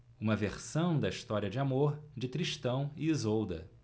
uma versão da história de amor de tristão e isolda